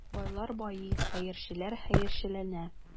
Байлар байый, хәерчеләр хәерчеләнә.